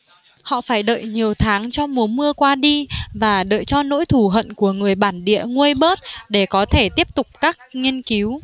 họ phải đợi nhiều tháng cho mùa mưa qua đi và đợi cho nỗi thù hận của người bản địa nguôi bớt để có thể tiếp tục các nghiên cứu